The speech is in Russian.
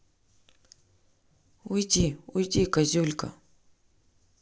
уйди уйди козюлька